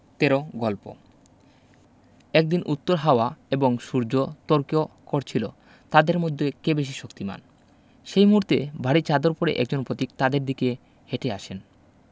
১৩ গল্প একদিন উত্তর হাওয়া এবং সূর্য তর্ক করছিল তাদের মধ্যে কে বেশি শক্তিমান সেই মুহূর্তে ভারি চাদর পরে একজন পতিক তাদের দিকে হেটে আসেন